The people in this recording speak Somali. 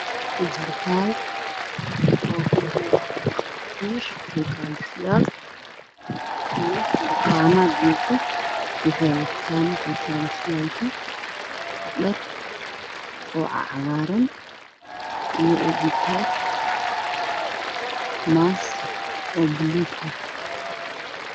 Waa meel isbitaal ah islaamo ama kalkaalisooyin